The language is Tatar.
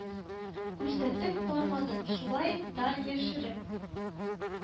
Күрсәтеп бармадык, шулай да яшереп